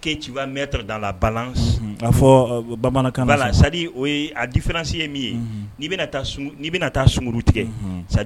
Ke ci' mɛn da la bala ka fɔ bamanankan la sa o ye a di fanasi ye min ye' bɛna taa sunkuru tigɛ sa